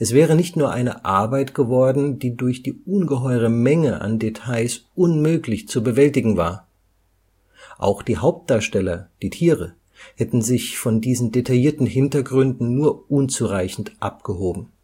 wäre nicht nur eine Arbeit geworden, die durch die ungeheure Menge an Details unmöglich zu bewältigen war. Auch die Hauptdarsteller, die Tiere, hätten sich von diesen detaillierten Hintergründen nur unzureichend abgehoben